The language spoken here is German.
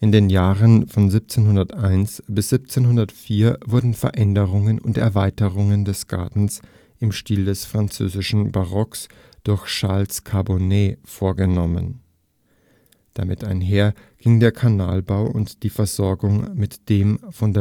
den Jahren von 1701 bis 1704 wurden Veränderungen und Erweiterungen des Gartens im Stil des französischen Barocks durch Charles Carbonet vorgenommen. Damit einher ging der Kanalbau und die Versorgung mit dem von